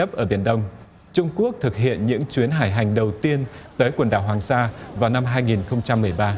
chấp ở biển đông trung quốc thực hiện những chuyến hải hành đầu tiên tới quần đảo hoàng sa vào năm hai nghìn không trăm mười ba